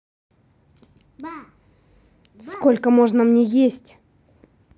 сколько можно мне есть